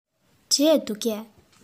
འབྲས འདུག གས